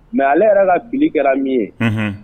Mais ale yɛrɛ la bin kɛra min ye? Unhun.